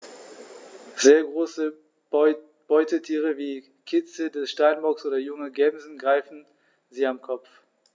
Sehr große Beutetiere wie Kitze des Steinbocks oder junge Gämsen greifen sie am Kopf.